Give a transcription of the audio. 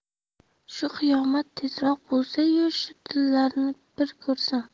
shu qiyomat tezroq bo'lsayu shu tillarni bir ko'rsam